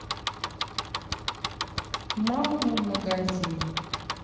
мама в магазин